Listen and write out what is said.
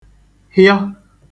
hịọ